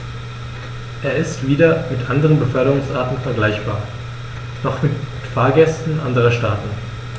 Er ist weder mit anderen Beförderungsarten vergleichbar, noch mit Fahrgästen anderer Staaten.